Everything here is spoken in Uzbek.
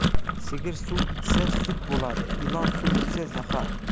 sigir suv ichsa sut bo'ladi ilon suv ichsa zahar